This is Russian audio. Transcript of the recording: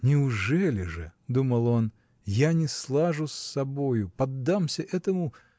"Неужели же, -- думал он, -- я не слажу с собою, поддамся этому.